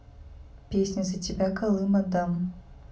песня за тебя калым отдам